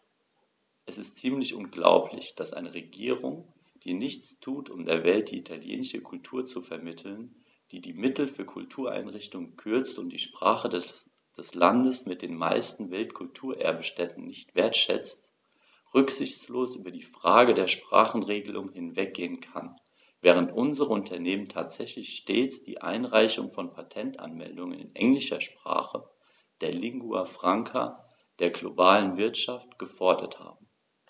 Es ist ziemlich unglaublich, dass eine Regierung, die nichts tut, um der Welt die italienische Kultur zu vermitteln, die die Mittel für Kultureinrichtungen kürzt und die Sprache des Landes mit den meisten Weltkulturerbe-Stätten nicht wertschätzt, rücksichtslos über die Frage der Sprachenregelung hinweggehen kann, während unsere Unternehmen tatsächlich stets die Einreichung von Patentanmeldungen in englischer Sprache, der Lingua Franca der globalen Wirtschaft, gefordert haben.